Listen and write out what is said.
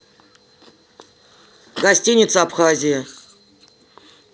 гостиница абхазия